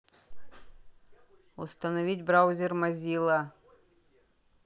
установить браузер mozilla